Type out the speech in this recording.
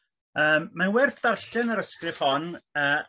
yym mae'n werth ddarllen yr ysgrif hon yy